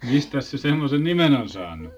mistäs se semmoisen nimen on saanut